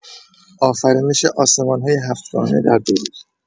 آفرینش آسمان‌های هفت‌گانه در ۲ روز!